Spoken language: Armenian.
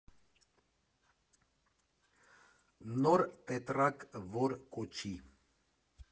Նոր տետրակ, որ կոչի։